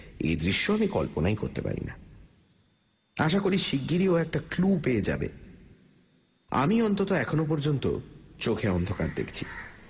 এ দৃশ্য আমি কল্পনাই করতে পারি না আশা করি শিগগিরই ও একটা ক্লু পেয়ে যাবে আমি অন্তত এখন পর্যন্ত চোখে অন্ধকার দেখছি